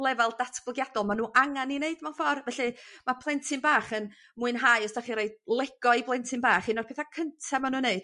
lefel datblygiadol ma' nw angan 'u neud mewn ffor felly ma' plentyn bach yn mwynhau os dach chi roi Lego i blentyn bach un o'r petha cynta ma' nw'n neud